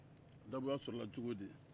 dabɔya sorola cogo di